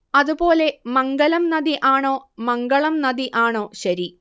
അതുപോലെ മംഗലം നദി ആണോ മംഗളം നദി ആണോ ശരി